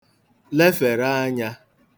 lefère anyā